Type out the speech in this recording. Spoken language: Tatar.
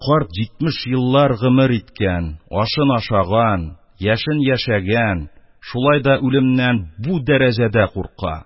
Карт җитмеш еллар гомер иткән, ашын ашаган, яшен яшәгән, шулай да үлемнән бу дәрәҗәдә курка.